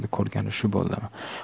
ko'rgani shu bo'ldimi